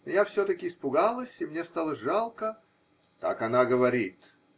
-- Но я все таки испугалась, и мне стало жалко". Так она говорит.